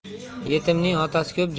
yetimning otasi ko'p